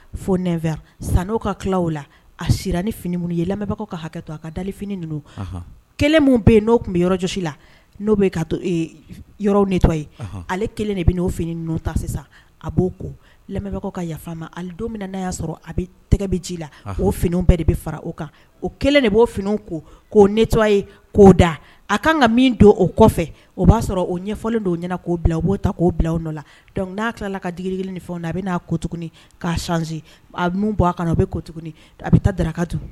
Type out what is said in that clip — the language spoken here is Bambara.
Ka hakɛ a ka fini ninnu bɛ yen tun bɛsi ale de fini ta a'o ka yafama don min n'a y'a sɔrɔ a bɛ tɛgɛ bɛ ji la fini bɛɛ de bɛ fara o kan o kelen de b'o fini ko'o to yeo da a kan ka min don o kɔfɛ o b'a sɔrɔ o ɲɛfɔlen dɔw ɲɛna'o bila b'o ta k'o bila la dɔnku n'a tilala ka digi ni fɛn a bɛ'a ko tugun'a a bɔ a kan o bɛ ko a bɛ ta daraka